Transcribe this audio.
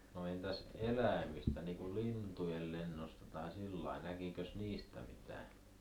no entäs eläimistä niin kuin lintujen lennosta tai sillä lailla näkikös niistä mitään